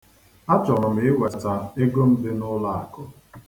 Achọrọ m iweta ego m dị n'ụlọakụ.